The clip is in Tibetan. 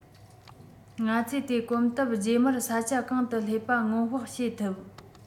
ང ཚོས དེ གོམ སྟབས རྗེས མར ས ཆ གང དུ སླེབས པ སྔོན དཔག བྱེད ཐུབ